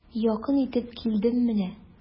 Якын итеп килдем менә.